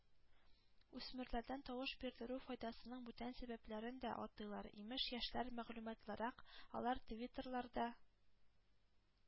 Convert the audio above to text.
Үсмерләрдән тавыш бирдерү файдасының бүтән сәбәпләрен дә атыйлар: имеш, яшьләр мәгълүматлырак, алар твиттерларда,